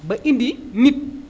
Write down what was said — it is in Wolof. ba indi nit